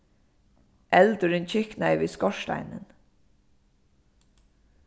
eldurin kyknaði við skorsteinin